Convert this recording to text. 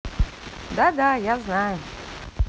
да да я знаю